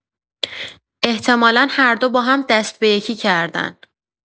احتمالا هر دو با هم دست به یکی کردن.